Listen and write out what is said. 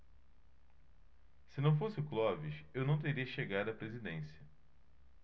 se não fosse o clóvis eu não teria chegado à presidência